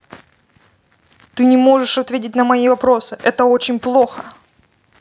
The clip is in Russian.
ты не можешь ответить на мои вопросы это очень плохо